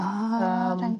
O reit. So yym.